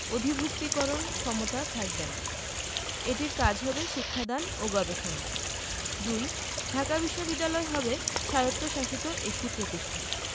অধিভুক্তিকরণ ক্ষমতা থাকবে না এটির কাজ হবে শিক্ষা দান ও গবেষণা ২. ঢাকা বিশ্ববিদ্যালয় হবে স্বায়ত্তশাসিত একটি প্রতিষ্ঠান